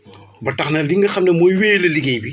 ba tax na li nga xam ne mooy wéyale liggéey bi